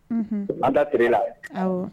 Un an da t la